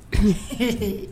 Ee